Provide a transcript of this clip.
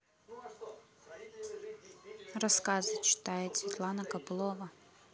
рассказы читает светлана копылова